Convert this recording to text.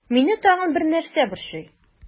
Мине тагын бер нәрсә борчый.